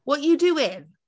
What you doing?